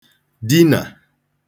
dinà